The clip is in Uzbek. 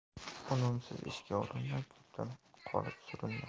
unumsiz ishga urinma ko'pdan qolib surinma